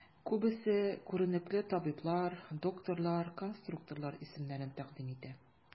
Күбесе күренекле табиблар, дикторлар, конструкторлар исемнәрен тәкъдим итә.